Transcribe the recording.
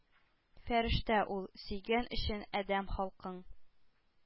Фәрештә ул; сөйгән өчен адәм халкын,